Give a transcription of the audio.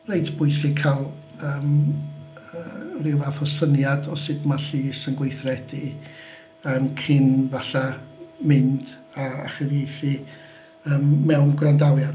Reit bwysig cael yym yy ryw fath o syniad o sut ma' llys yn gweithredu yym cyn falle mynd a a chyfieithu yym mewn gwrandawiad.